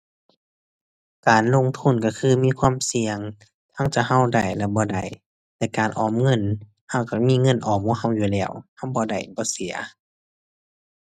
การลงทุนก็คือมีความเสี่ยง ทั้งจะก็ได้และบ่ได้ แต่การออมเงินก็ก็มีเงินออมของก็อยู่แล้ว ก็บ่ได้บ่เสีย